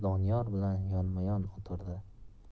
yonma yon o'tirdi